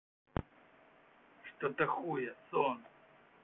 что то хуя сон